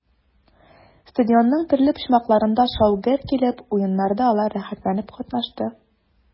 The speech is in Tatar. Стадионның төрле почмакларында шау-гөр килеп уеннарда алар рәхәтләнеп катнашты.